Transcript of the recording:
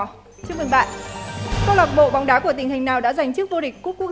chúc mừng bạn câu lạc bộ bóng đá của tình hình nào đã giành chức vô địch cúp quốc